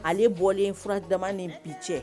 Ale bɔlen fura dama ni bi cɛ